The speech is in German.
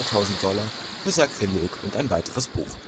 400.000 Dollar für Sakrileg und ein weiteres Buch